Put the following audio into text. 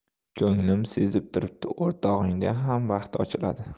ko'nglim sezib turibdi o'rtog'ingning ham baxti ochiladi